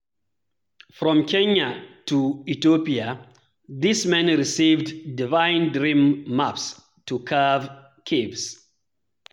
From Kenya to Ethiopia, these men received divine dream ‘maps’ to carve caves